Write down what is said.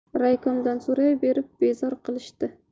raykomdan so'rayverib bezor qilishdi